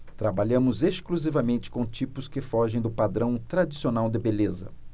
trabalhamos exclusivamente com tipos que fogem do padrão tradicional de beleza